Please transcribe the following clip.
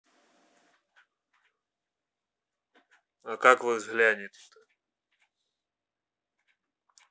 а как вы взглянете то